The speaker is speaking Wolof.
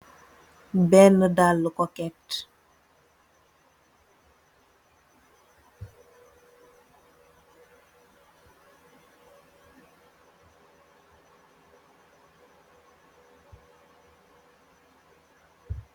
Benna daala kukeet.